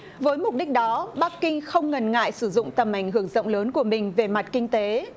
với mục đích đó bắc kinh không ngần ngại sử dụng tầm ảnh hưởng rộng lớn của mình về mặt kinh tế